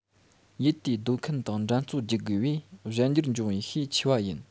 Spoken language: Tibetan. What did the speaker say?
ཡུལ དེའི སྡོད མཁན དང འགྲན རྩོད བགྱི དགོས པས གཞན འགྱུར འབྱུང བའི ཤས ཆེ བ ཡིན